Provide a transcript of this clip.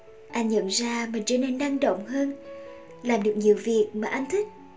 anh nhận ra mình trở nên năng động hơn làm được nhiều việc mà anh thích